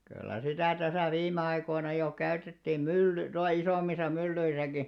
kyllä sitä tässä viime aikoina jo käytettiin - tuolla isommissa myllyissäkin